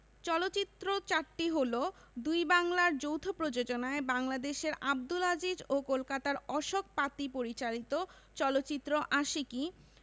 চলচ্চিত্র চারটি হলো দুই বাংলার যৌথ প্রযোজনায় বাংলাদেশের আবদুল আজিজ ও কলকাতার অশোক পাতি পরিচালিত চলচ্চিত্র আশিকী